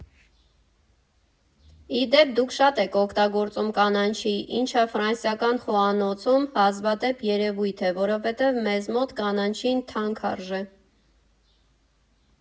Ի դեպ՝ դուք շատ եք օգտագործում կանաչի, ինչը ֆրանսիական խոհանոցում հազվադեպ երևույթ է, որովհետև մեզ մոտ կանաչին թանկ արժե։